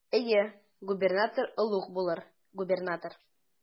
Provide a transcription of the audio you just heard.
Әйе, губернатор олуг булыр, губернатор.